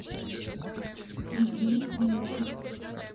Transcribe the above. иди нюхай